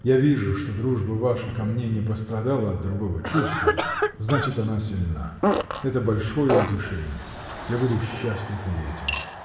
Я вижу, что дружба ваша ко мне не пострадала от другого чувства, значит, она сильна. Это большое утешение! Я буду счастлив и этим.